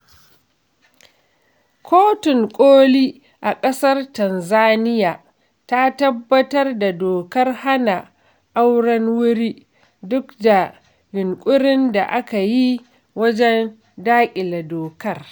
Kotun ƙoli a ƙasar Tanzaniya ta tabbatar da dokar hana auren wuri duk da yunƙurin da aka yi wajen daƙile dokar.